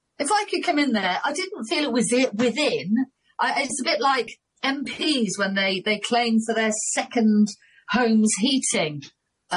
If I can come in there if I can come in there I didn't feel withy- within I it's a bit like MP's when they they claim for their second home's heating.